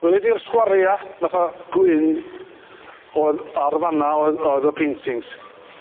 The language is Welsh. Wele di'r sgwaria' fatha gwyn oedd ar fan 'na oedd oedd y paintings.